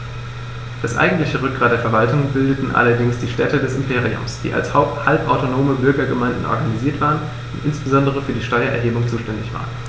Das eigentliche Rückgrat der Verwaltung bildeten allerdings die Städte des Imperiums, die als halbautonome Bürgergemeinden organisiert waren und insbesondere für die Steuererhebung zuständig waren.